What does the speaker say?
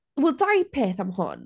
Wel, dau peth am hwn.